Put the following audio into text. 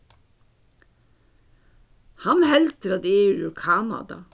hann heldur at eg eri úr kanada